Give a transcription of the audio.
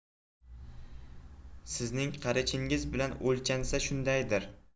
sizning qarichingiz bilan o'lchansa shundaydir